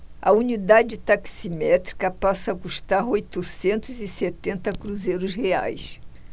a unidade taximétrica passa a custar oitocentos e setenta cruzeiros reais